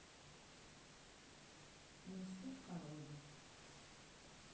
несут короне